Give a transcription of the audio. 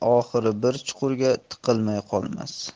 oxiri bir chuqurga tiqilmay qolmas